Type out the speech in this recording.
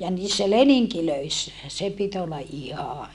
ja niissä leningeissä se piti olla ihan